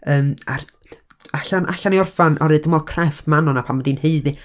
yym, a'r, allan, 'allan ni orffan ar, dwi'n meddwl ma' crefft Manon, a pam bo' hi'n haeddu...